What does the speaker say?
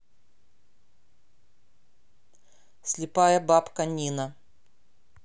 слепая бабка нина